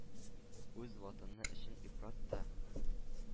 – үз ватаны өчен ифрат та